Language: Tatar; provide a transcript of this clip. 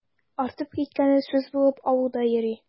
Артып киткәне сүз булып авылда йөри.